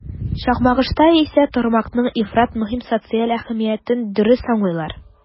Чакмагышта исә тармакның ифрат мөһим социаль әһәмиятен дөрес аңлыйлар.